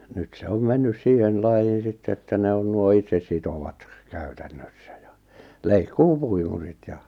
nyt se on mennyt siihen lajiin sitten että ne on nuo itsesitovat käytännössä ja leikkuupuimurit ja